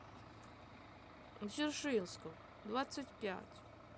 дзержинского двадцать пять